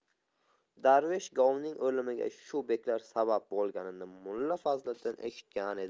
darvesh govning o'limiga shu beklar sabab bo'lganini mulla fazliddin eshitgan edi